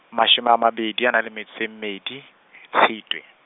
mashome a mabedi a nang le metso e mmedi, Tshitwe.